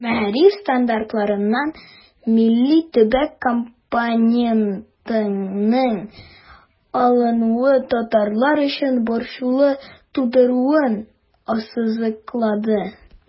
Мәгариф стандартларыннан милли-төбәк компонентының алынуы татарлар өчен борчылу тудыруын ассызыклады.